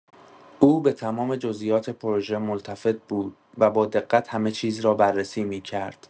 او به تمام جزئیات پروژه ملتفت بود و با دقت همه چیز را بررسی می‌کرد.